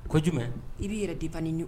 Ko jumɛn i b'i yɛrɛ dépend ni